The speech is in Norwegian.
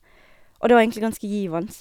Og det var egentlig ganske givende.